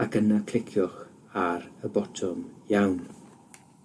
ac yna cliciwch ar y botwm Iawn.